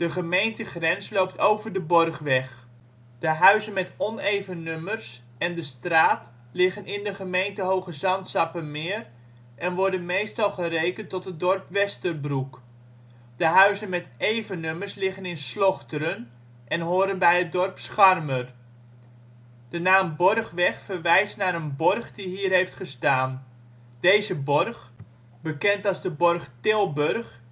gemeentegrens loopt over de Borgweg. De huizen met oneven nummers, en de straat liggen in de gemeente Hoogezand-Sappemeer, en worden meestal gerekend tot het dorp Westerbroek. De huizen met even nummers liggen in Slochteren en horen bij het dorp Scharmer. De naam Borgweg verwijst naar een borg die hier heeft gestaan. Deze borg, bekend als de borg Tilburg